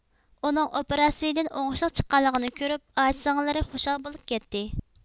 ئۇنىڭ ئوپراتسىيىدىن ئوڭۇشلۇق چىققانلىقىنى كۆرۇپ ئاچا سىڭىللىرى خۇشال بولۇپ كەتتى